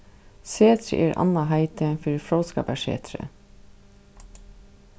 setrið er annað heiti fyri fróðskaparsetrið